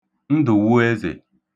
Ndụ̀wụezè